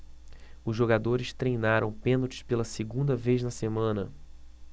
os jogadores treinaram pênaltis pela segunda vez na semana